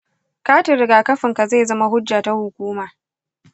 katin rigakafinka zai zama hujja ta hukuma.